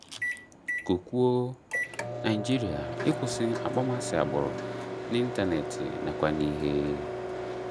Gụ kwuo: Naịjirịa: Ịkwụsị akpọmasị agbụrụ — n'ịntaneetị nakwa n'ihe